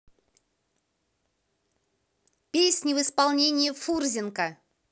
песни в исполнении фурзенко